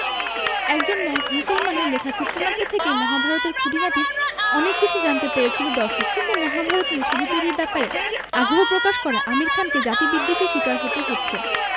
একজন মুসলমানের লেখা চিত্রনাট্য থেকেই মহাভারত এর খুঁটিনাটি অনেক কিছু জানতে পেরেছিল দর্শক কিন্তু মহাভারত নিয়ে ছবি তৈরির ব্যাপারে আগ্রহ প্রকাশ করায় আমির খানকে জাতিবিদ্বেষের শিকার হতে হচ্ছে